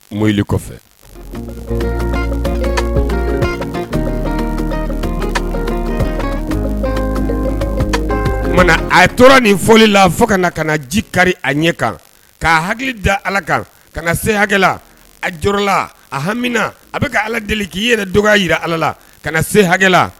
Moyili kɔfɛ nka a tora nin foli la fo ka ka ji kari a ɲɛ kan k'a hakili da ala kan ka se hakɛla a jɔyɔrɔla a hamina a bɛka ka ala deli k' i yɛrɛ dɔgɔ jira ala la ka se hakɛla